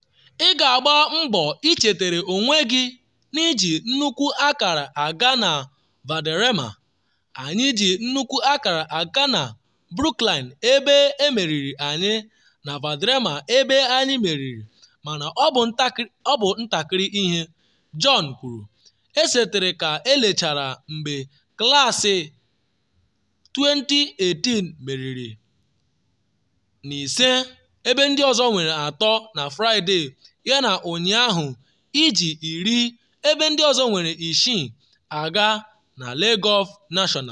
“Ị ga-agba mbọ ichetere onwe gị n’iji nnukwu akara aga na Valderrama; anyị ji nnukwu akara aga na Brookline, ebe emeriri anyi, na Valderrama ebe anyị meriri mana ọ bụ ntakịrị ihe,” Bjorn kwuru, esetere ka elelechara mgbe Klaasị 2018 meriri 5-3 na Fraịde yana ụnyahụ, iji 10-6 aga na Le Golf National.